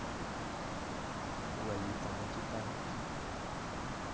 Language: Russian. лолита на титанике